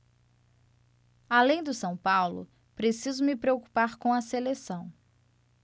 além do são paulo preciso me preocupar com a seleção